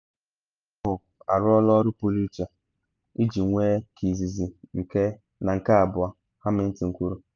Otu ahụ arụọla ọrụ pụrụ iche iji nwee nke izizi na nke abụọ,” Hamilton kwuru.